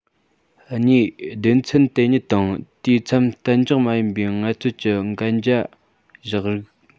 གཉིས སྡེ ཚན དེ ཉིད དང དུས མཚམས གཏན འཇགས མ ཡིན པའི ངལ རྩོལ གྱི གན རྒྱ བཞག རིགས